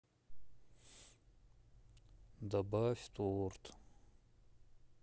добавь торт